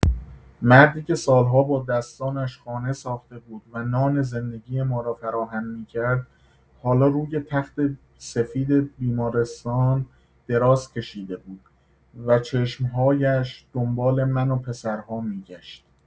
مردی که سال‌ها با دستانش خانه ساخته بود و نان زندگی ما را فراهم می‌کرد، حالا روی تخت سفید بیمارستان دراز کشیده بود و چشم‌هایش دنبال من و پسرها می‌گشت.